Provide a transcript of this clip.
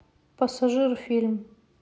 пассажир фильм